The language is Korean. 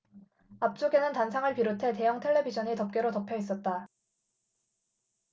앞쪽에는 단상을 비롯해 대형 텔레비전이 덮개로 덮여있었다